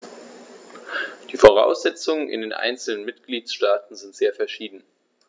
Die Voraussetzungen in den einzelnen Mitgliedstaaten sind sehr verschieden.